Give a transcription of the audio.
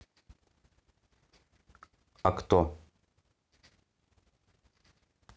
а кто